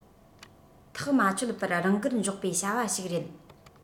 ཐག མ ཆོད པར རང དགར འཇོག པའི བྱ བ ཞིག རེད